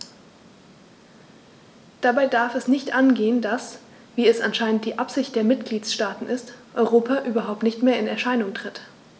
Dabei darf es nicht angehen, dass - wie es anscheinend die Absicht der Mitgliedsstaaten ist - Europa überhaupt nicht mehr in Erscheinung tritt.